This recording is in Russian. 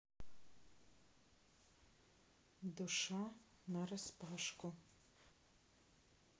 душа нараспашку